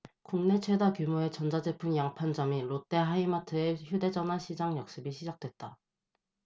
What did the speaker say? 국내 최대 규모의 전자제품 양판점인 롯데하이마트의 휴대전화 시장 역습이 시작됐다